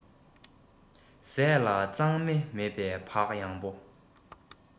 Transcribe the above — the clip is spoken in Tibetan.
ཟས ལ གཙང སྨེ མེད པའི བག ཡངས པོ